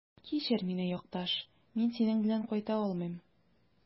Кичер мине, якташ, мин синең белән кайта алмыйм.